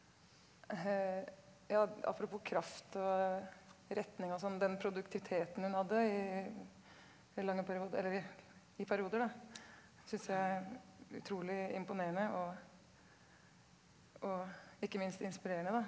ja apropos kraft og retning og sånn den produktiviteten hun hadde i lange eller i i perioder da synes jeg er utrolig imponerende og og ikke minst inspirerende da.